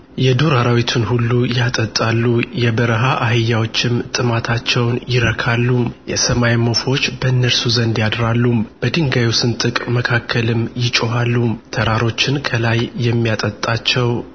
የዱር አራዊትን ሁሉ ያጠጣሉ የበረሃ አህያዎችም ጥማታቸውን ይረካሉ የሰማይም ወፎች በእነርሱ ዘንድ ያድራሉ በድንጋዩ ስንጥቅ መካከልም ይጮኻሉ ተራሮችን ከላይ የሚያጠጣቸው